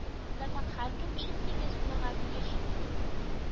Закон һәркем өчен тигез булырга тиеш